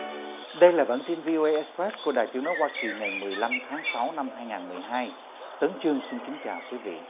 đây là bản tin vi ô guây ịch phét của đài tiếng nói hoa kỳ ngày mười lăm tháng sáu năm hai ngàn mười hai tấn chương xin kính chào quý vị